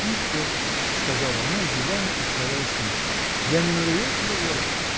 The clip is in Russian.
— Никто, — сказала она, зевая и вставая с места. — Я не надоел тебе, Вера?